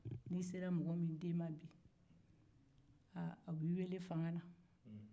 n'i sera mɔgɔ min den ma bi a b'i weele fanga na